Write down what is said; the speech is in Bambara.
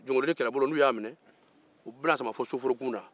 jɔnkolonin kɛlɛbolo n'u y'a minɛ u bɛn'a sama fo soforokun na